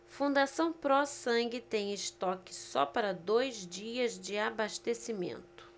fundação pró sangue tem estoque só para dois dias de abastecimento